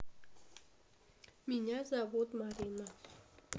меня зовут марина